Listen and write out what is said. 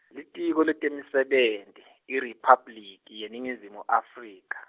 Litiko leTemisebenti, IRiphabliki yeNingizimu Afrika.